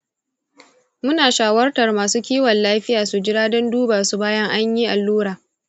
muna shawartar masu kiwon lafiya su jira dan duba su bayan anyi allura.